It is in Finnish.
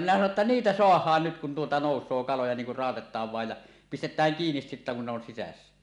minä sanoin jotta niitä saadaan nyt kun tuota nousee kaloja niin kun raotetaan vain ja pistetään kiinni sitten kun ne on sisässä